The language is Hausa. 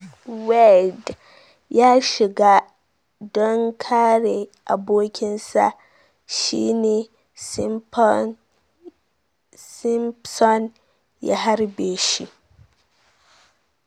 Wayde ya shiga don kare abokinsa shi ne Simpson ya harbe shi.